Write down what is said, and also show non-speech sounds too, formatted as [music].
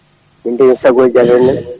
min deewi ko tagoji amen [clears throat]